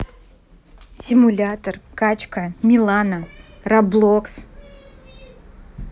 симулятор качка милана роблокс